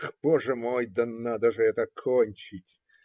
Ах боже мой, да надо же это кончить!